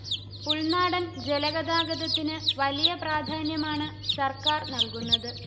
ഉൾനാടൻ ജലഗതാഗതത്തിനു വലിയ പ്രാധാന്യമാണു സർക്കാർ നൽകുന്നത്